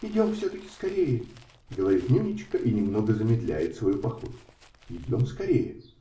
-- Идем все-таки скорее, -- говорит "Нюничка" и немного замедляет свою походку. -- Идем скорее.